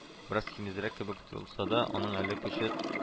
Бераз симезрәк кебек тоелса да, аның әле көче